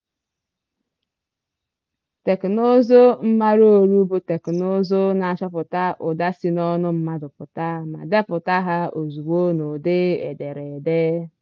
Teknụzụ mmara olu bụ teknụzụ na-achọpụta ụda si n'ọnụ mmadụ pụta ma deputa há ozugbo n'ụdị ederede.